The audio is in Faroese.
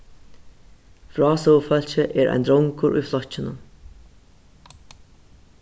frásøgufólkið er ein drongur í flokkinum